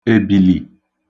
wave